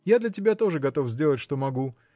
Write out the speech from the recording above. Я для тебя тоже готов сделать, что могу